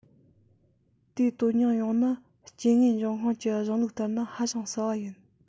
དེའི དོན སྙིང ཡོངས ནི སྐྱེ དངོས འབྱུང ཁུངས ཀྱི གཞུང ལུགས ལྟར ན ཧ ཅང གསལ པོ ཡིན